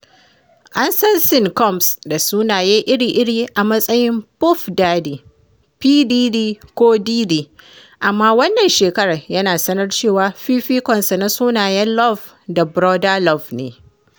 An san Sean Combs da sunaye iri-iri a matsayin Puff Daddy, P. Diddy ko Diddy, amma wannan shekarar ya sanar cewa fifikonsa na sunayen Love da Brother Love ne.